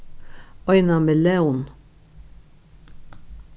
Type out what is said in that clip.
eina melón